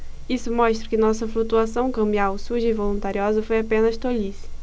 isso mostra que nossa flutuação cambial suja e voluntariosa foi apenas tolice